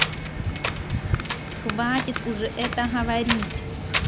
хватит уже это говорить